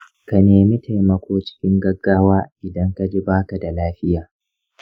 ka nemi taimako cikin gaggawa idan ka ji ba ka da lafiya.